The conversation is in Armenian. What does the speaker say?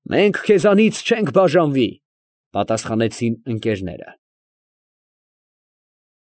Մենք քեզանից չենք բաժանվի, ֊ պատասխանեցին ընկերները։